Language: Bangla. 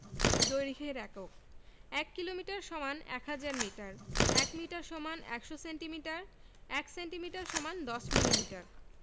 দৈর্ঘ্যের এককঃ ১ kilometre = ১০০০ metre ১ metre = ১০০ centimetre ১ centimetre = ১০ millimetre